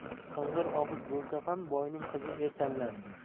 qing'ir og'iz bo'lsa ham boyning qizi er tanlar